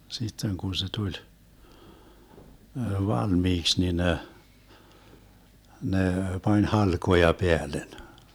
sitten kun se tuli valmiiksi niin ne ne pani halkoja päälle